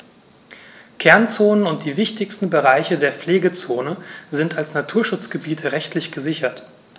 Kernzonen und die wichtigsten Bereiche der Pflegezone sind als Naturschutzgebiete rechtlich gesichert.